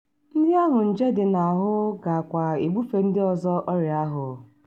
Ndị ahụ nje dị n'ahụ ga-kwa ebufe ndị ọzọ ọrịa ahụ.